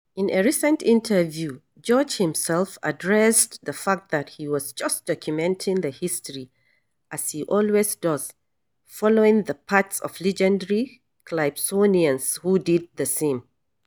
In a recent interview, George himself addressed the fact that he was just "documenting the history" as he "always does", following the path of legendary calypsonians who did the same.